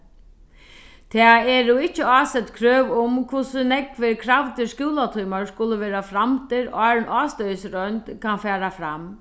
tað eru ikki ásett krøv um hvussu nógvir kravdir skúlatímar skulu vera framdir áðrenn ástøðisroynd kann fara fram